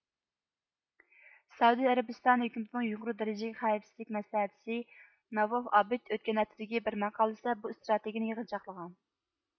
سەئۇدى ئەرەبىستانى ھۆكۈمىتىنىڭ يۇقىرى دەرىجىلىك خەۋپسىزلىك مەسلىھەتچىسى ناۋاف ئابىد ئۆتكەن ھەپتىدىكى بىر ماقالىسىدە بۇ ئىستراتېگىيىنى يىغىنچاقلىغان